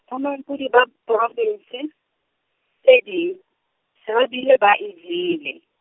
bo mampodi ba provinse, tse ding, se ba bile ba e jele.